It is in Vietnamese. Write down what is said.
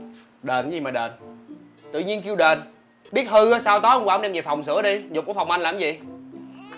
đền cái gì mà đền tự nhiên kêu đền biết hư á sao tối hôm qua hổng đem về phòng sửa đi dụt qua phòng anh làm cái gì